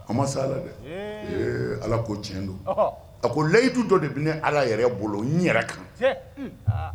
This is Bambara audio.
A ma sa la dɛ ala ko ti don a ko layidu dɔ de bɛ ne ala yɛrɛ bolo yɛrɛ kan